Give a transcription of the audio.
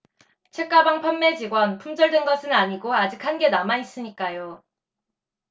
책가방 판매 직원 품절된 것은 아니고 아직 한개 남아있으니까요